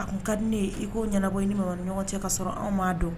A ko ka di ne i'o ɲɛnabɔ i min ɲɔgɔn cɛ ka sɔrɔ anw m'a dɔn